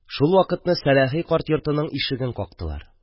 Шул вакытны Сәләхи карт йортының ишеген кактылар.